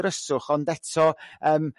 ddryswch ond eto yrm